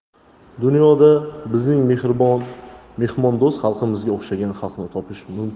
dunyoda bizning mehribon mehmondo'st xalqimizga o'xshagan